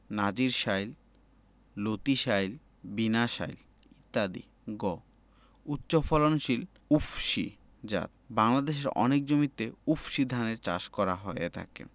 নাজির শাইল লতিশাইল বিনাশাইল ইত্যাদি গ উচ্চফলনশীল উফশী জাতঃ বাংলাদেশের অনেক জমিতে উফশী ধানের চাষ করা হয়ে থাকে